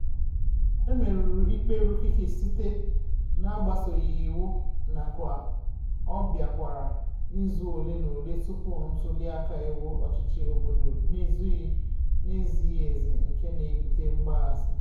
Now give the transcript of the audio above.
E merụrụ ikpe Rukiki site n'agbasoghị iwu nakwa ọ bịakwara izu ole na ole tupu ntuliaka iwu ọchịchị obodo n'ezighị ezi nke na-ebute mgbaghasị.